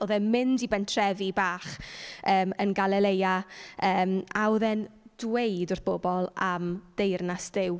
Oedd e'n mynd i bentrefi bach yym yn Galilea yym a oedd e'n dweud wrth bobl am deyrnas Duw.